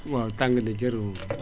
waaw tàng na jër moom